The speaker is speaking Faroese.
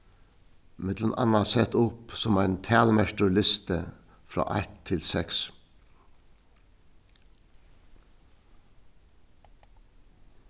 millum annað sett upp sum ein talmerktur listi frá eitt til seks